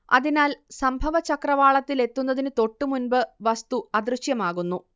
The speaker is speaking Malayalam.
അതിനാൽ സംഭവചക്രവാളത്തിലെത്തുന്നതിന് തൊട്ടുമുമ്പ് വസ്തു അദൃശ്യമാകുന്നു